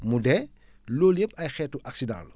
mu dee loolu yëpp ay xeetu accident la